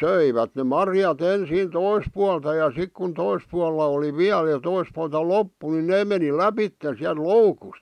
söivät ne marjat ensin toiselta puolelta ja sitten kun toisella puolella oli vielä ja toiselta puolelta loppu niin ne meni lävitse sieltä loukusta